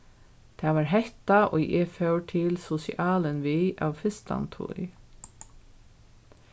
tað var hetta ið eg fór til sosialin við av fyrstan tíð